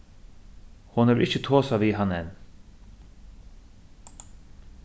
hon hevur ikki tosað við hann enn